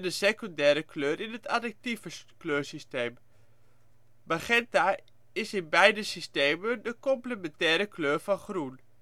secundaire kleur in het additieve kleursysteem. Magenta is in beide systemen de complementaire kleur van groen